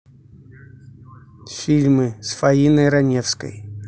фильмы с фаиной раневской